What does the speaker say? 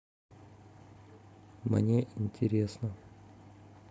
мне интересно